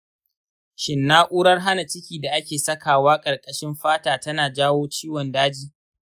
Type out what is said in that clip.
shin na’urar hana ciki da ake sakawa ƙarƙashin fata tana jawo ciwon daji?